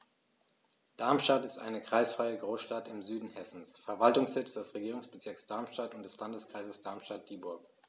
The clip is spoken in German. Darmstadt ist eine kreisfreie Großstadt im Süden Hessens, Verwaltungssitz des Regierungsbezirks Darmstadt und des Landkreises Darmstadt-Dieburg.